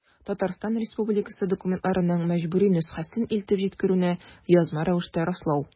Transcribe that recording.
Татарстан Республикасы документларының мәҗбүри нөсхәсен илтеп җиткерүне язма рәвештә раслау.